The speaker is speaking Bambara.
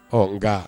Ɔ n nka